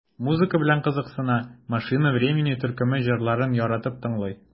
Музыка белән кызыксына, "Машина времени" төркеме җырларын яратып тыңлый.